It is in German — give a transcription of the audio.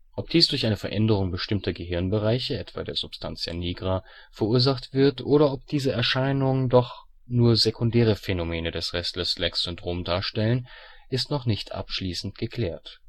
Ob dies durch eine Veränderung bestimmter Gehirnbereiche (etwa der Substantia nigra) verursacht wird oder ob diese Erscheinungen doch nur sekundäre Phänomene des Restless-Legs-Syndroms darstellen, ist noch nicht abschließend geklärt